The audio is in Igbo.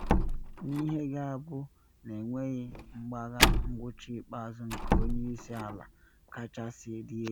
N’ihe ga-abụ na enweghị mgbagha “Ngwụcha ikpeazụ nke onye isi ala kachasị dị egwu!”